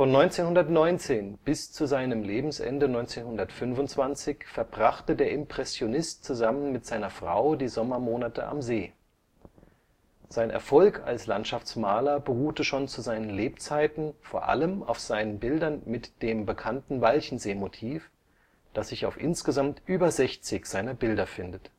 1919 bis zu seinem Lebensende 1925 verbrachte der Impressionist zusammen mit seiner Frau die Sommermonate am See. Sein Erfolg als Landschaftsmaler beruhte schon zu seinen Lebzeiten vor allem auf seinen Bildern mit dem bekannten Walchensee-Motiv, das sich auf insgesamt über 60 seiner Bilder findet